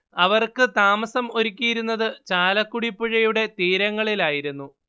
അവർക്ക് താമസം ഒരുക്കിയിരുന്നത് ചാലക്കുടിപ്പുഴയുടെ തീരങ്ങളിലായിരുന്നു